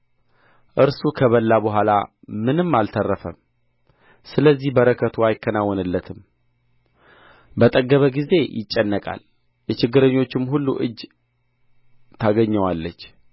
እርሱ ከበላ በኋላ ምንም አልተረፈም ስለዚህ በረከቱ አይከናወንለትም በጠገበ ጊዜ ይጨነቃል የችግረኞችም ሁሉ እጅ ታገኘዋለች